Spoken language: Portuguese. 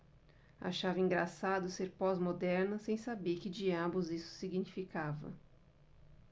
achava engraçado ser pós-moderna sem saber que diabos isso significava